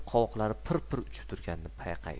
qovoqlari pir pir uchib turganini payqaydi